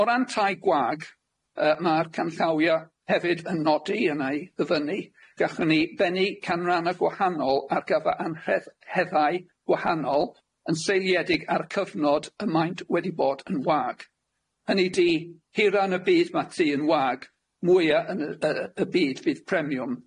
O ran tai gwag, yy ma'r canllawia hefyd yn nodi a nai ddyfynnu gachwn ni bennu canranna gwahanol ar gyfer anhre- heddau gwahanol yn seiliedig ar cyfnod y maint wedi bod yn wag, hynny di hira yn y byd ma' tŷ yn wag mwya yn y yy y byd fydd premiwn.